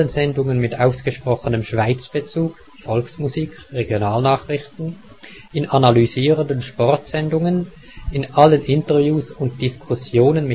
Sendungen mit ausgesprochenem Schweizbezug (Volksmusik, Regionalnachrichten), in analysierenden Sportsendungen, in allen Interviews und Diskussionen